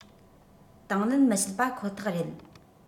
དང ལེན མི བྱེད པ ཁོ ཐག རེད